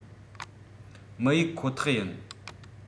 མི གཡུགས ཁོ ཐག ཡིན